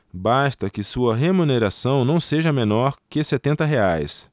basta que sua remuneração não seja menor que setenta reais